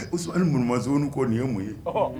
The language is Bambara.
Ni munumuma z ko nin ye mun ye